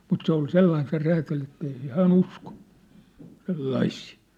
mutta se oli sellainen se räätäli että ei se hän usko sellaisia